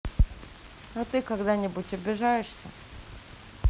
а ты когда нибудь обижаешься